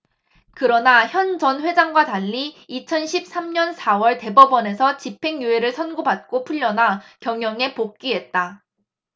그러나 현 전 회장과 달리 이천 십 삼 년 사 월 대법원에서 집행유예를 선고 받고 풀려나 경영에 복귀했다